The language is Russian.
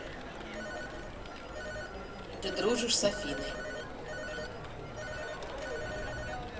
ты дружишь с афиной